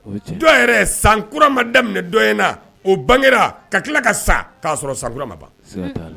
Dɔ yɛrɛ san kura ma daminɛ dɔ in na o bangera ka tila ka sa k' sɔrɔ sankura ma ban